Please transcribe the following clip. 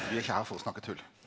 vi er ikkje her for å snakke tull.